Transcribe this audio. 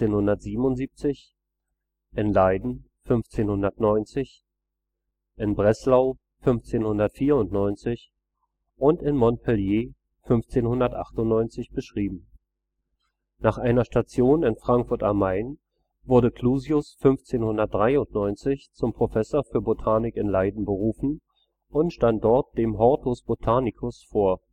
1577), in Leiden (1590), in Breslau (1594) und in Montpellier (1598) beschrieben. Nach einer Station in Frankfurt am Main wurde Clusius 1593 zum Professor für Botanik in Leiden berufen und stand dort dem Hortus botanicus vor